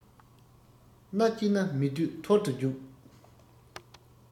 སྣ བསྐྱིལ ན མི སྡོད ཐུར དུ རྒྱུགས